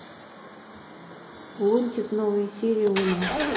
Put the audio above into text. лунтик новые серии луна